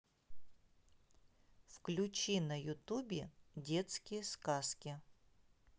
включи на ютубе детские сказки